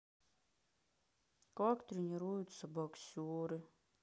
как тренируются боксеры